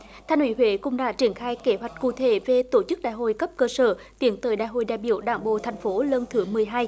thành ủy huế cũng đã triển khai kế hoạch cụ thể về tổ chức đại hội cấp cơ sở tiến tới đại hội đại biểu đảng bộ thành phố lần thứ mười hai